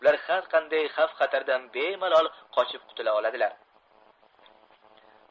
ular har qanday xavf xatardan bemalol qochib qutuladilar